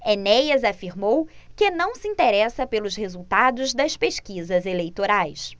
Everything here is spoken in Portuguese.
enéas afirmou que não se interessa pelos resultados das pesquisas eleitorais